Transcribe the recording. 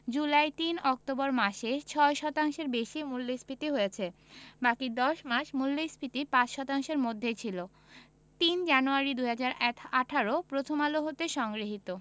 জুলাই ও অক্টোবর মাসে ৬ শতাংশের বেশি মূল্যস্ফীতি হয়েছে বাকি ১০ মাস মূল্যস্ফীতি ৫ শতাংশের মধ্যেই ছিল ০৩ জানুয়ারি ২০১৮ প্রথম আলো হতে সংগৃহীত